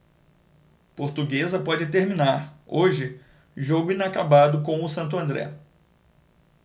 portuguesa pode terminar hoje jogo inacabado com o santo andré